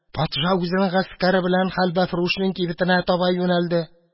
Патша үзенең гаскәре белән хәлвәфрүшнең кибетенә таба юнәлде.